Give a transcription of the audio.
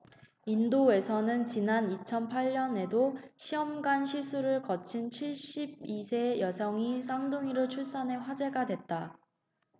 인도에서는 지난 이천 팔 년에도 시험관시술을 거친 칠십 이 세 여성이 쌍둥이를 출산해 화제가 됐다